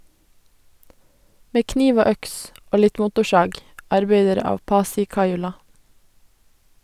«Med kniv og øks... og litt motorsag», arbeider av Pasi Kajula.